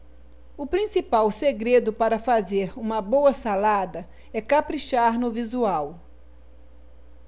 o principal segredo para fazer uma boa salada é caprichar no visual